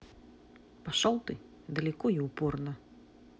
пошел ты далеко и упорно